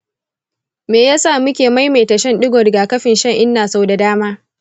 me ya sa muke maimaita shan digon rigakafin shan-inna sau da dama?